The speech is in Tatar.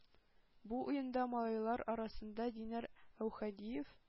Бу уенда малайлар арасында – Динар Әүхәдиев